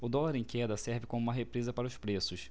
o dólar em queda serve como uma represa para os preços